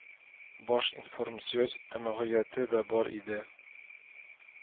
Башинформсвязь әмгыяте дә бар иде